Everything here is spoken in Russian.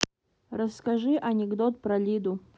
расскажи анекдот про лиду